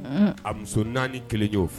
Ɛnhɛn, n'a muso 4, 1 yo fɔ